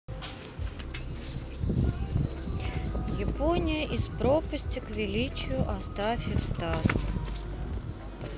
япония из пропасти к величию астафьев стас